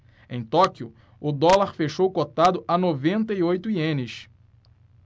em tóquio o dólar fechou cotado a noventa e oito ienes